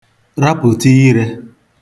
rapụ̀ta irē